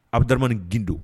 Abudarani Gindo